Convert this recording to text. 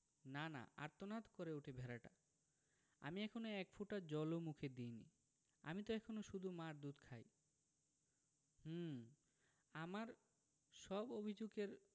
না না আর্তনাদ করে ওঠে ভেড়াটা আমি এখনো এক ফোঁটা জল ও মুখে দিইনি আমি ত এখনো শুধু মার দুধ খাই হুম আমার সব অভিযোগ এর